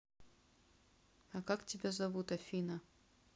а как тебя зовут афина